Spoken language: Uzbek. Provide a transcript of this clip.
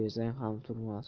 bersang ham turmas